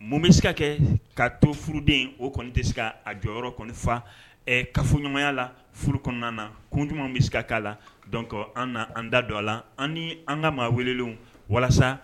Mun bɛ se ka kɛ ka to furuden o kɔni tɛ se k' a jɔyɔrɔ yɔrɔfa kafoɲɔgɔnya la furu kɔnɔna na kun ɲuman bɛ se ka k'a la dɔn an na an da don a la an an ka maa wele walasa